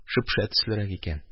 Шөпшә төслерәк икән.